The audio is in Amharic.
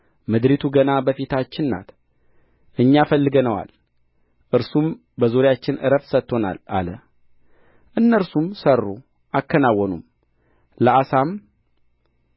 ምድሪቱ ገና በፊታችን ናት እኛ ፈልገነዋል እርሱም በዙሪያችን ዕረፍት ሰጥቶናል አለ እነርሱም ሠሩ አከናወኑም ለአሳም